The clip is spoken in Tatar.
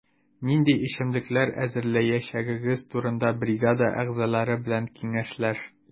Нинди эчемлекләр әзерләячәгегез турында бригада әгъзалары белән киңәшләш.